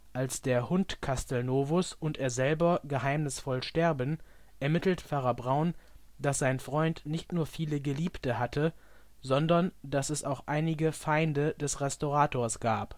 Als der Hund Castelnuovos und er selber geheimnisvoll sterben, ermittelt Pfarrer Braun, dass sein Freund nicht nur viele Geliebte hatte, sondern dass es auch einige Feinde des Restaurators gab